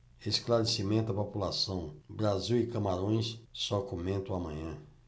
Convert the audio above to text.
esclarecimento à população brasil e camarões só comento amanhã